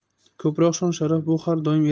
ko'proq shon sharaf bu har doim